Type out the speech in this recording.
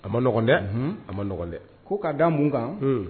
A man nɔgɔn dɛ. A man nɔgɔn dɛ . Ko ka da mun kan?